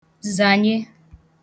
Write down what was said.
zànye